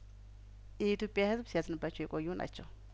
የኢትዮጵያ ህዝብ ሲያዝንባቸው የቆዩ ናቸው